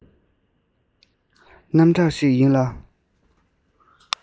རྣམ གྲངས ཤིག ཡིན ལ